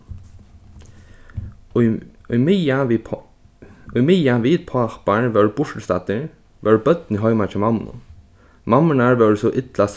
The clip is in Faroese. ímeðan vit pápar vóru burturstaddir vóru børnini heima hjá mammunum mammurnar vóru so illa